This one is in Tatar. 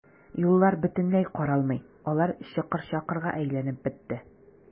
Юллар бөтенләй каралмый, алар чокыр-чакырга әйләнеп бетте.